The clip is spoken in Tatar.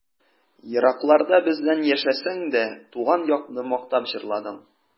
Еракларда бездән яшәсәң дә, Туган якны мактап җырладың.